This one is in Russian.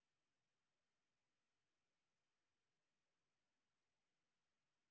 кремлин палас двадцать двадцать